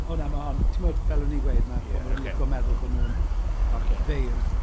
O na, mae hon.. Timod, fel o'n i'n gweud, mae pobl yn licio meddwl bo' nhw'n feirdd.